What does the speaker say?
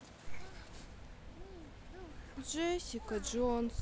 джессика джонс